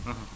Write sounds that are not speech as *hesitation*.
*hesitation* *hesitation*